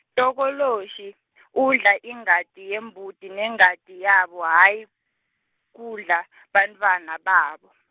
tokoloshi , udla ingati yambuti nengati yabo hhayi, kudla , bantfwana babo.